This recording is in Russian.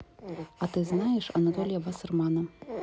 а ты знаешь анатолия вассермана